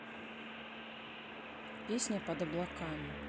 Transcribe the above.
песня под облаками